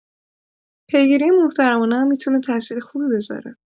پیگیری محترمانه هم می‌تونه تاثیر خوبی بذاره.